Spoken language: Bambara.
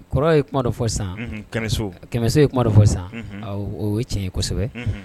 Kɔrɔ ye kuma dɔ fɔ sisan ,kɛmɛso . Kɛmɛso ye kuma dɔ fɔ sisan o ye tiɲɛ ye kosɛbɛ.